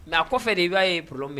Mais a kɔfɛ de i ba ye problème